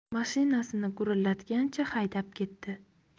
mashinasini gurillatgancha haydab ketdi